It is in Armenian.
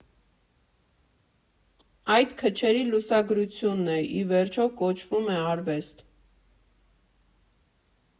Այդ քչերի լուսագրությունն է, ի վերջո, կոչվում արվեստ։